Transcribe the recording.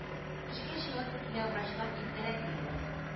Эшкә чыгасы килә врачлар иртәрәк диләр